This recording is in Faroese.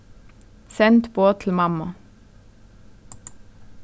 send boð til mammu